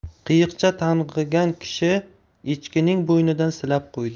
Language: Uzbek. qiyiqcha tang'igan kishi echkining bo'ynidan silab qo'ydi